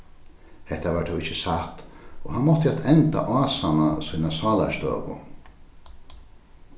hetta var tó ikki satt og hann mátti at enda ásanna sína sálarstøðu